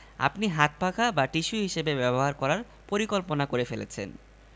বাবা ছেলের দিকে তাকিয়ে দেখল পাত্রীর মা যে হালকা নাশতা রেখে গেছে তার ছেলে সেটাই আয়েশ করে পায়ের ওপর পা তুলে খাচ্ছে বাবা বললেন তেমন কিছু না